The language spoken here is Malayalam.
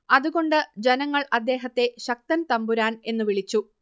അതുകൊണ്ട് ജനങ്ങൾ അദ്ദേഹത്തെ ശക്തൻ തമ്പുരാൻ എന്നു വിളിച്ചു